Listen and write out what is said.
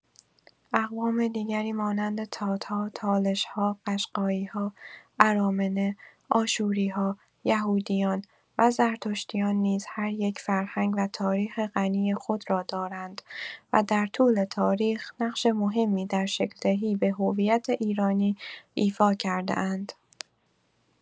اقوام دیگری مانند تات‌ها، تالش‌ها، قشقایی‌ها، ارامنه، آشوری‌ها، یهودیان و زرتشتیان نیز هر یک فرهنگ و تاریخ غنی خود را دارند و در طول تاریخ نقش مهمی در شکل‌دهی به هویت ایرانی ایفا کرده‌اند.